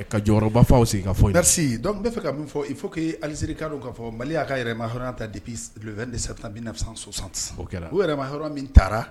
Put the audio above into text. Ka jɔyɔrɔba fa o sigikafɔ in na, merci, donc n b'a fɛ ka min fɔ il faut que Alizeri k'a dén ko Mali y'a ka yɛrɛmahɔrɔnya tadepuis le 22 septembre 1960 o kɛra, o yɛrɛmahérénya min taara